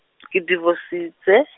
ke divositse.